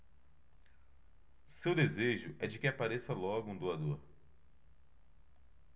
seu desejo é de que apareça logo um doador